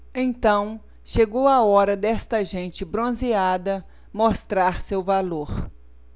então chegou a hora desta gente bronzeada mostrar seu valor